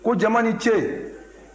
ko jama ni ce